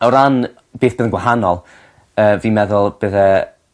O ran beth bydd yn gwahanol yy fi'n meddwl bydde